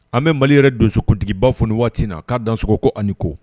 An bɛ mali yɛrɛ donsokuntigiba fɔ waati na k'a dan sogo ko ani ko